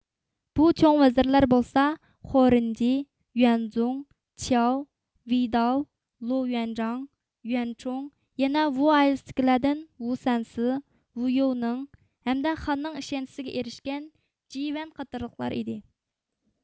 بۇ چوڭ ۋەزىرلەر بولسا خورېنجى يۇەنزۇڭ چياۋ ۋېيداۋ لو يۇەنجاڭ يۇەنچۇڭ يەنە ۋۇ ئائىلىسىدىكىلەردىن ۋۇ سەنسى ۋۇ يوۋنىڭ ھەمدە خاننىڭ ئىشەنچىسىگە ئېرىشكەن جى ۋەن قاتارلىقلار ئىدى